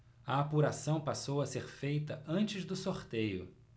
a apuração passou a ser feita antes do sorteio